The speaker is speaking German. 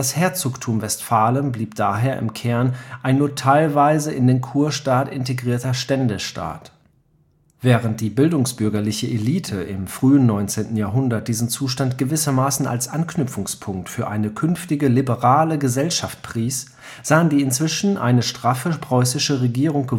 Herzogtum Westfalen blieb daher im Kern ein nur teilweise in den Kurstaat integrierter Ständestaat. Während die bildungsbürgerliche Elite im frühen 19. Jahrhundert diesen Zustand gewissermaßen als Anknüpfungspunkt für eine künftige liberale Gesellschaft pries, sahen die inzwischen eine straffe preußische Regierung